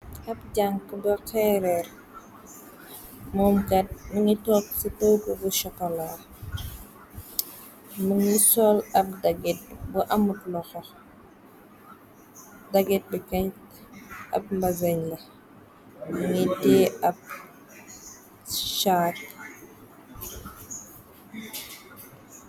Ab jànk bu xeereer. Moom kat mungi tok ci toggu bu chatola. Mëngi soll ab daggit bu am loxo. Daget bi kat ab mbazeñ la mung te ab chaak.